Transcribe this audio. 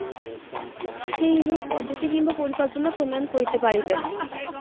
সেইরূপ পদ্ধতি কিংবা পরিকল্পনা প্রণয়ন করিতে পারিবেন